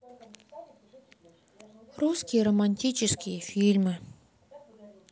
русские романтические фильмы